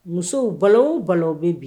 Musow balow balo bɛ bi